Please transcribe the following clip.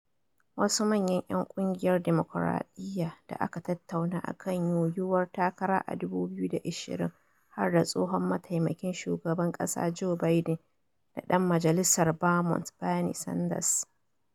Wasu manyan ‘yan Kungiyar Dimokuradiyya da aka tattauna akan yiyuwar takara a 2020 har da tsohon Mataimakin Shugaban Kasa Joe Biden da Dan Majalisar Vermont Bernie Sanders.